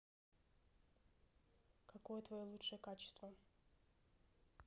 какое твое лучшее качество